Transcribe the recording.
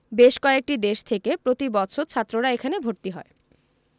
বেশ কয়েকটি দেশ থেকে প্রতি বছর ছাত্ররা এখানে ভর্তি হয়